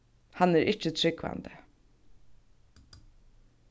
hann er ikki trúgvandi